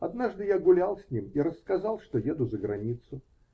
Однажды я гулял с ним и рассказал, что еду за границу.